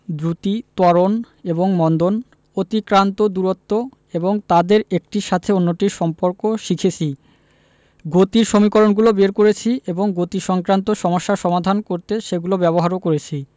দ্রুতি ত্বরণ এবং মন্দন অতিক্রান্ত দূরত্ব এবং তাদের একটির সাথে অন্যটির সম্পর্ক শিখেছি গতির সমীকরণগুলো বের করেছি এবং গতিসংক্রান্ত সমস্যা সমাধান করতে সেগুলো ব্যবহারও করেছি